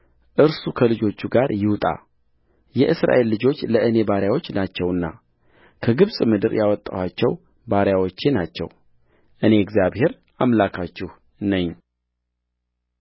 እርሱ ከልጆቹ ጋር ይውጣየእስራኤል ልጆች ለእኔ ባሪያዎች ናቸውና ከግብፅ ምድር ያወጣኋቸው ባሪያዎቼ ናቸው እኔ እግዚአብሔር አምላካችሁ ነኝ